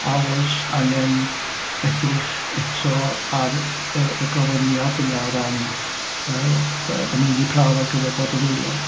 A oes angen edrych eto ar yr y gofyniad yna o ran yy yy y meini prawf ar gyfer bod yn aelod.